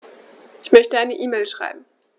Ich möchte eine E-Mail schreiben.